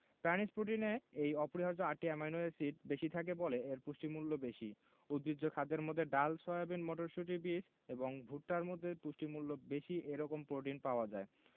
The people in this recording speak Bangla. প্রাণিজ প্রোটিনে এই অপরিহার্য আটটি অ্যামাইনো এসিড বেশি থাকে বলে এর পুষ্টিমূল্য বেশি উদ্ভিজ্জ খাদ্যের মধ্যে ডাল সয়াবিন মটরশুটি বীজ এবং ভুট্টার মধ্যে পুষ্টিমূল্য বেশি এরকম প্রোটিন পাওয়া যায়